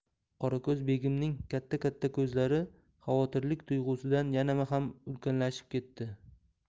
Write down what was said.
qorako'z begimning katta katta ko'zlari xavotirlik to'yg'usidan yana ham ulkanlashib ketdi